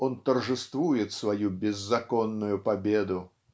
он торжествует свою беззаконную победу